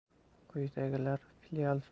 quyidagilar filial faoliyatini